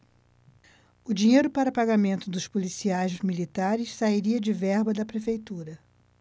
o dinheiro para pagamento dos policiais militares sairia de verba da prefeitura